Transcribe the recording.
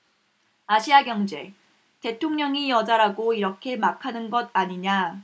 아시아경제 대통령이 여자라고 이렇게 막 하는 것 아니냐